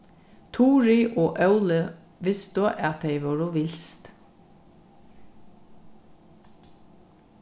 turið og óli vistu at tey vóru vilst